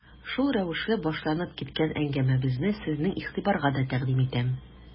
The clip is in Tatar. Шул рәвешле башланып киткән әңгәмәбезне сезнең игътибарга да тәкъдим итәм.